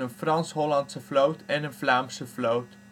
Frans-Hollandse vloot en een Vlaamse vloot